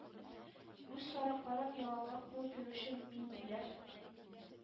Үз сарыкларын яланга куып йөрүче Миндияр